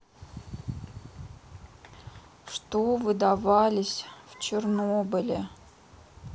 что выдавались в чернобыле